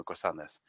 y gwasaneth.